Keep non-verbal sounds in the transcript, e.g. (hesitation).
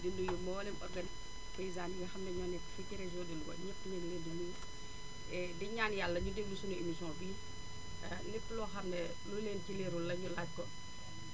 di nuyu mboolem organ paysane yi nga xam ne ñoo nekk fii ci région de Louga ñëpp ñu ngi leen di nuyu (hesitation) di ñaan yàlla ñu déglu suñu émission bi (hesitation) lépp loo xam ne (hesitation) lu leen ci leerul la ñu laaj ko